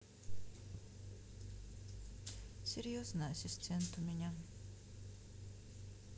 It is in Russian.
серьезная ассистент у меня